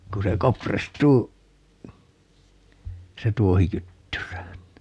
kun se kopristuu se tuohi kyttyrään niin